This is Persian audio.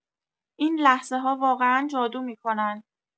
این لحظه‌ها واقعا جادو می‌کنن.